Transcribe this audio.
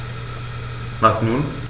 Was nun?